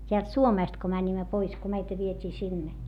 täältä Suomesta kun menimme pois kun meitä vietiin sinne